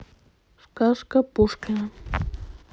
сказка пушкина